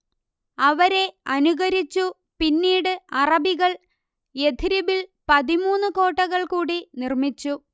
അവരെ അനുകരിച്ചു പിന്നീട് അറബികൾ യഥ്രിബിൽ പതിമൂന്നു കോട്ടകൾ കൂടി നിർമ്മിച്ചു